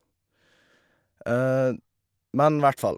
Men hvert fall.